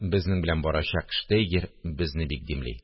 Безнең белән барачак штейгер безне бик димли